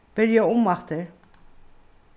byrja umaftur